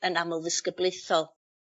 yn amlddisgyblaethol.